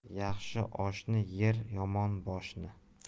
yaxshi oshini yer yomon boshini